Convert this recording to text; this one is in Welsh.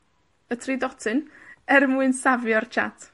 y tri dotyn, er mwyn safio'r chat.